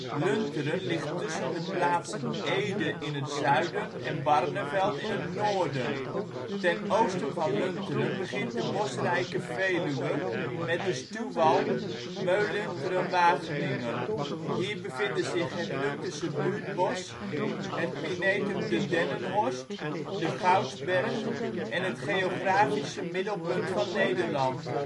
Lunteren ligt tussen de plaatsen Ede in het zuiden en Barneveld in het noorden. Ten oosten van Lunteren begint de bosrijke Veluwe met de stuwwal Meulunteren-Wageningen. Hier bevinden zich Het Luntersche Buurtbosch, het Pinetum De Dennenhorst, de Goudsberg en het geografisch middelpunt van Nederland